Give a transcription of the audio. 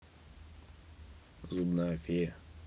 зубная фея